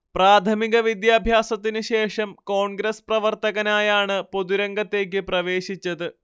പ്രാഥമിക വിദ്യഭ്യാസത്തിന് ശേഷം കോൺഗ്രസ് പ്രവർത്തകനായാണ് പൊതുരംഗത്തേക്ക് പ്രവേശിച്ചത്